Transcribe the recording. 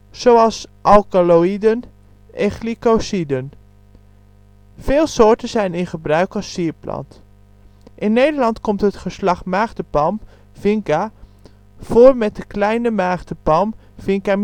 zoals alkaloïden en glycosiden. Veel soorten zijn in gebruik als sierplant. In Nederland komt het geslacht maagdenpalm (Vinca) voor met de kleine maagdenpalm (Vinca